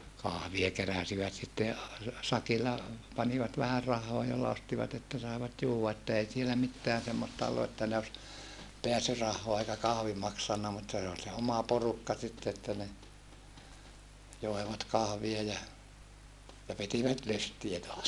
kahvia keräsivät sitten - sakilla panivat vähän rahaa jolla ostivat että saivat juoda että ei siellä mitään semmoista ollut että ne olisi pääsyrahaa eikä kahvi maksanut mutta se oli se oma porukka sitten että ne joivat kahvia ja ja pitivät lystiä taas